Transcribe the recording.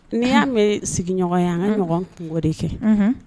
N'i y'a mɛn sigiɲɔgɔn ye an ka ɲɔgɔn kun o de kɛ